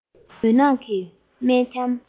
མུན ནག གི དམྱལ ཁམས